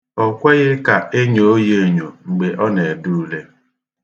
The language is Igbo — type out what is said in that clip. O kweghị ka e nyoo ya enyo mgbe a na-ede ule.